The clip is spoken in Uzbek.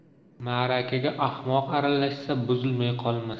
ma'rakaga ahmoq aralashsa buzilmay qolmas